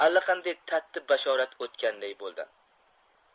allaqanday tatti bashorat o'tganday bo'ldi